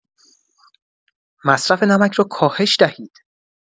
مصرف نمک را کاهش دهید.